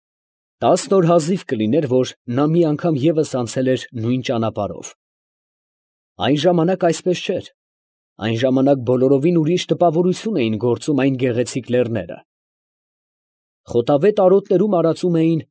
Տասն օր հազիվ կլիներ, որ նա մի անգամ ևս անցել էր նույն ճանապարհով, այն ժամանակ այդպես չէր, այն ժամանակ բոլորովին ուրիշ տպավորություն էին գործում այն գեղեցիկ լեռները։ ֊ Խոտավետ արոտներում արածում էին։